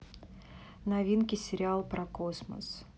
новинки сериал про космос